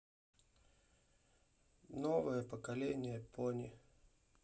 новое поколение пони